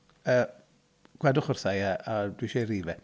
Yy gwedwch wrtha i a... a dwi isie ei rif e.